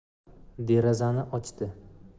derazani ochdi